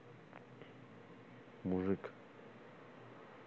мужик